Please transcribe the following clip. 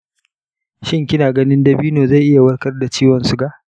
shin kina ganin dabino zai iya warkar da ciwon suga?